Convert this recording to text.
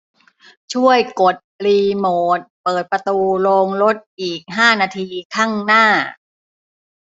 ช่วยกดรีโมทเปิดประตูโรงรถอีกห้านาทีข้างหน้า